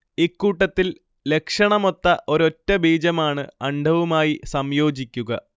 ഇക്കൂട്ടത്തിൽ ലക്ഷണമൊത്ത ഒരൊറ്റ ബീജമാണ് അണ്ഡവുമായി സംയോജിക്കുക